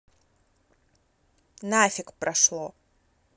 нафиг прошло